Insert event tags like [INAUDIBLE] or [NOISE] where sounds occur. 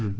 [HESITATION] [HESITATION]